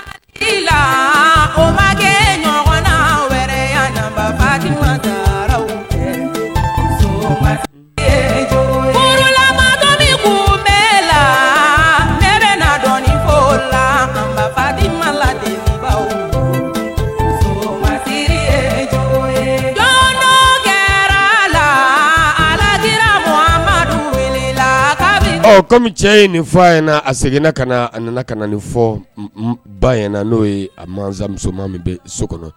La o makɛ ɲɔgɔn wɛrɛbadu kun bɛ la la la ma la lalaji la komimi cɛ nin fɔ a ɲɛna na a seginna kana a nana kana na nin fɔ bay na n'o ye a masa musoman min bɛ so kɔnɔ